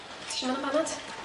Ti isio myn am bannad?